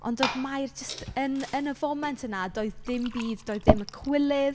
Ond oedd Mair jyst yn yn y foment yna, doedd dim byd, doedd dim y cywilydd.